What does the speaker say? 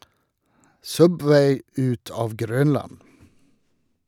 Subway ut av Grønland!